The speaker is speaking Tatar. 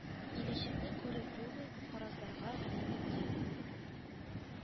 Киләчәкне күреп булмый, фаразларга гына мөмкин